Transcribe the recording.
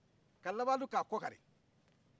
ka laban tun k'a kɔ kari